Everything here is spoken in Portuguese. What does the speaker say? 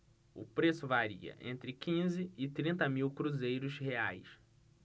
o preço varia entre quinze e trinta mil cruzeiros reais